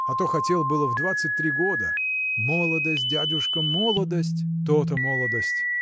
А то хотел было в двадцать три года. – Молодость, дядюшка, молодость! – То-то молодость.